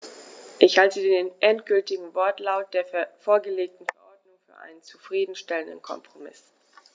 Ich halte den endgültigen Wortlaut der vorgelegten Verordnung für einen zufrieden stellenden Kompromiss.